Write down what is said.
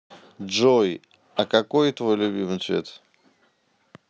джой а какой твой любимый цвет